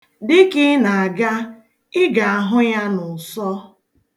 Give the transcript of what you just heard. Dịka ị na-aga, ị ga-ahụ ya n'ụsọ.